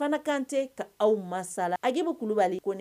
Fana Kante k’aw masala Agibu Kulubali